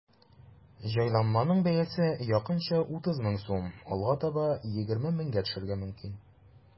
Җайланманың бәясе якынча 30 мең сум, алга таба 20 меңгә төшәргә мөмкин.